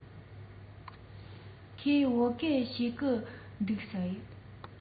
ཁོས བོད སྐད ཤེས ཀྱི འདུག གས